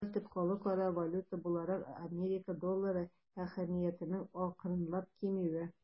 Уникаль төп халыкара валюта буларак Америка доллары әһәмиятенең акрынлап кимүе.